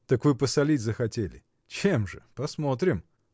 — Так вы посолить захотели — чем же, посмотрим!